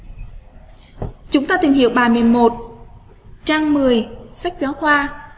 chúng ta tìm hiểu bài trang sách giáo khoa